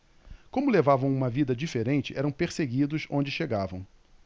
como levavam uma vida diferente eram perseguidos onde chegavam